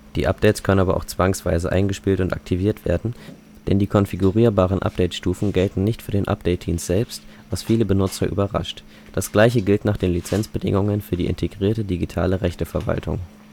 Die Updates können aber auch zwangsweise eingespielt und aktiviert werden, denn die konfigurierbaren Update-Stufen gelten nicht für den Update-Dienst selbst, was viele Benutzer überrascht. Das gleiche gilt nach den Lizenzbedingungen für die integrierte Digitale Rechteverwaltung